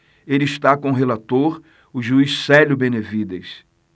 ele está com o relator o juiz célio benevides